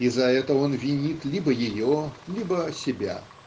И за это он винит либо ее, либо себя.